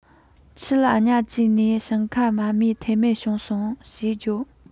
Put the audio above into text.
ཁྱི ལ གཉའ བཅས ནས ཞིང ཁ མ རྨོས ཐབས མེད བྱུང སོང ཞེས བརྗོད